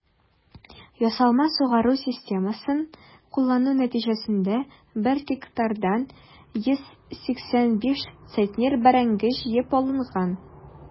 Ясалма сугару системасын куллану нәтиҗәсендә 1 гектардан 185 центнер бәрәңге җыеп алынган.